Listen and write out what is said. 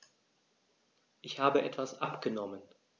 Ich habe etwas abgenommen.